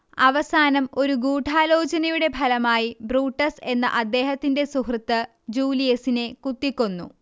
അവസാനം ഒരു ഗൂഡാലോചനയുടെ ഫലമായി ബ്രൂട്ടസ് എന്ന അദ്ദേഹത്തിന്റെ സുഹൃത്ത് ജൂലിയസിനെ കുത്തിക്കൊന്നു